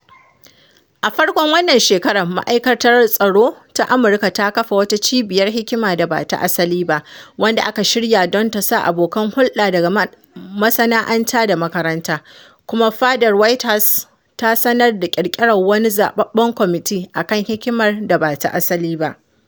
A farkon wannan shekarar Ma’aikatar Tsaro ta Amurka ta kafa wata Cibiyar Hikimar Da Ba Ta Asali Ba, wanda aka shirya don ta sa abokan hulɗa daga masana’anta da makaranta, kuma fadar White House ta sanar da ƙirƙirar wani Zaɓaɓɓen Kwamiti a kan Hikimar da ba ta asali ba.